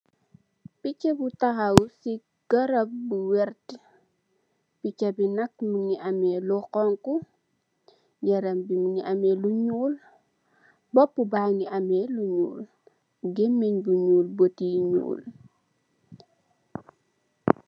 Picha bu tahaw ci garab bu vert, picha bi nak mungi ameh lu honku, yaram bi mungi ameh lu ñuul, boppu ba ngi ameh lu ñuul, gëmèn bu ñuul, bout yi ñuul.